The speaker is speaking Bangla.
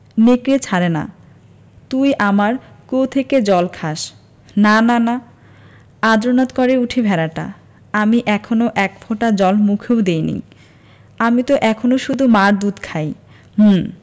নেকড়ে ছাড়ে না তুই আমার কুয়ো থেকে জল খাস না না না আদ্রনাদ করে ওঠে ভেড়াটা আমি এখনো এক ফোঁটা জল মুখেও দিইনি আমি ত এখনো শুধু মার দুধ খাই হুম